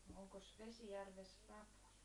onkos Vesijärvessä rapuja